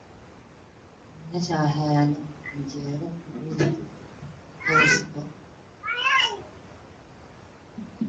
Meeshaan waxaa ayaa loo saddex saxan waxaa ku jirto canjeero waxaa cagaaran waxyaalo ah